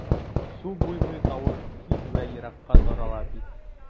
Су буйлый тавыш тиз вә еракка тарала бит...